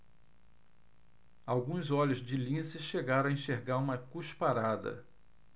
alguns olhos de lince chegaram a enxergar uma cusparada